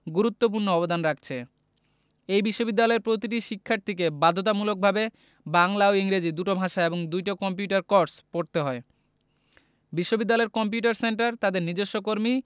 গুরুত্বপূর্ণ অবদান রাখছে এই বিশ্ববিদ্যালয়ে প্রতিটি শিক্ষার্থীকে বাধ্যতামূলকভাবে বাংলা এবং ইংরেজি দুটো ভাষা এবং দুটো কম্পিউটার কোর্স পড়তে হয় বিশ্ববিদ্যালয়ের কম্পিউটার সেন্টার তাদের নিজস্ব কর্মী